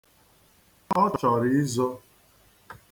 Ọ chọrọ izo.